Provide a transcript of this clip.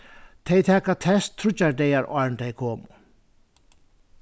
tey taka test tríggjar dagar áðrenn tey komu